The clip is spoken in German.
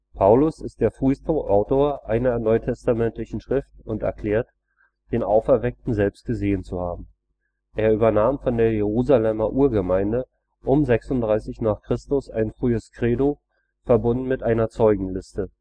Paulus ist der früheste Autor einer NT-Schrift und erklärt, den Auferweckten selbst gesehen zu haben. Er übernahm von der Jerusalemer Urgemeinde um 36 n. Chr. ein frühes Credo, verbunden mit einer Zeugenliste